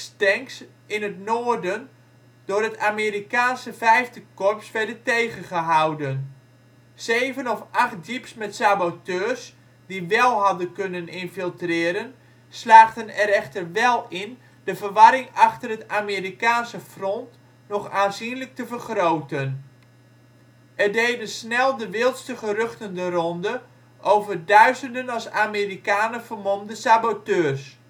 tanks in het noorden door het Amerikaanse 5e korps werden tegengehouden. Zeven of acht jeeps met saboteurs, die wel hadden kunnen infiltreren, slaagden er echter wel in de verwarring achter het Amerikaanse front nog aanzienlijk te vergroten. Er deden snel de wildste geruchten de ronde over ' duizenden als Amerikanen vermomde saboteurs